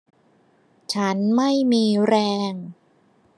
ฉันไม่มีแรง